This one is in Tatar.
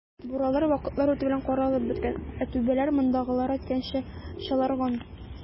Буралар вакытлар үтү белән каралып беткән, ә түбәләр, мондагылар әйткәнчә, "чаларган".